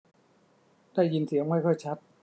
ได้ยินเสียงไม่ค่อยชัด